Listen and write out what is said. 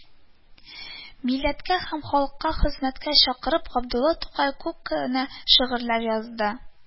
Милләткә һәм халыкка хезмәткә чакырып, Габдулла Тукай күп кенә шигырьләр язды